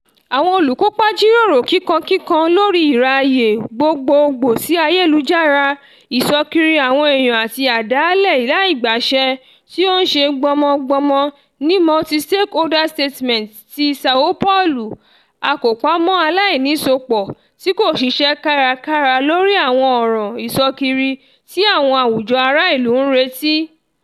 Àwọn olùkópa jíròrò kíkankíkan lórí ìráàyè gbogboogbò sí ayélujára, ìṣọ́kiri àwọn èèyàn àti àdáálẹ̀ "láìgbàṣẹ", tí ó ń ṣe gbọnmọgbọnmọ ní Multi stakeholder Statement of Sao Paulo, àkọpamọ́ aláìnísopọ̀ tí kò ṣiṣẹ́ kárakára lórí àwọn ọ̀ràn ìṣọ́kiri tí àwọn àwùjọ ará-ìlú ń retí.